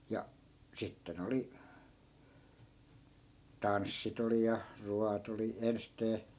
ja sitten oli tanssit oli ja ruoat oli ensisteen